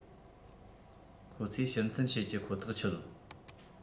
ཁོ ཚོས ཕྱིར འཐེན བྱེད ཀྱི ཁོ ཐག ཆོད